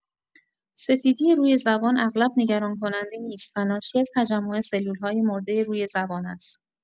سفیدی روی زبان اغلب نگران‌کننده نیست و ناشی از تجمع سلول‌های مرده روی زبان است.